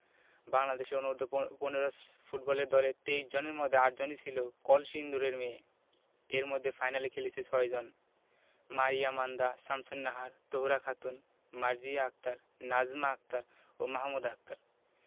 বাংলাদেশ অনূর্ধ্ব ১৫ ফুটবল দলের ২৩ জনের মধ্যে ৮ জনই ছিল কলসিন্দুরের মেয়ে এর মধ্যে ফাইনালে খেলেছে ৬ জন মারিয়া মান্দা শামসুন্নাহার তহুরা খাতুন মার্জিয়া আক্তার নাজমা আক্তার ও মাহমুদা আক্তার